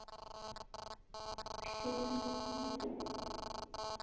что ты хуйне по